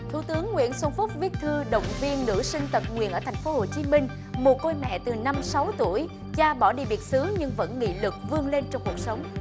thủ tướng nguyễn xuân phúc viết thư động viên nữ sinh tật nguyền ở thành phố hồ chí minh mồ côi mẹ từ năm sáu tuổi cha bỏ đi biệt xứ nhưng vẫn nghị lực vươn lên trong cuộc sống